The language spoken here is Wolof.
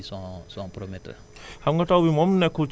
voilà et les récoltes aussi sont sont prometteux